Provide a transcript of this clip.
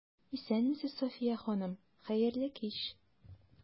Исәнмесез, Сафия ханым, хәерле кич!